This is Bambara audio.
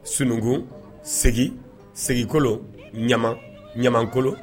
Sununkun segi segikolo ɲaman ɲamankolon